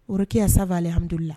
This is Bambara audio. Okeya samdulila